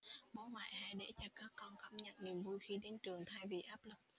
bố mẹ hãy để các con cảm nhận niềm vui khi đến trường thay vì áp lực